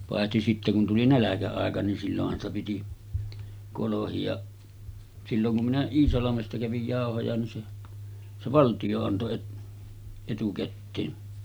paitsi sitten kun tuli nälkäaika niin silloinhan sitä piti kolhia silloin kun minä Iisalmesta kävin jauhoja niin se se valtio antoi - etukäteen